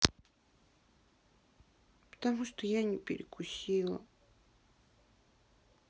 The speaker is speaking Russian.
потому что я не перекусила